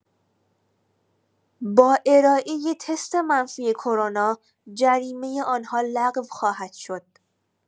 با ارائه تست منفی کرونا جریمه آن‌ها لغو خواهد شد.